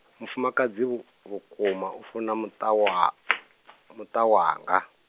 mufumakadzi vhu vhukuma u funa muṱa wa, muṱa wanga.